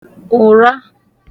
ụ̀ra